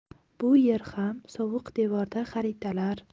bu yer ham sovuq devorda xaritalar